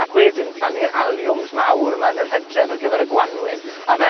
ac wedyn plannu'r aliwms mawr 'ma yn yr Hydref ar gyfer y Gwanwyn, a fel